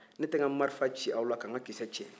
ne tɛ n ka marifa ci aw la ka n ka kisɛ tiɲɛ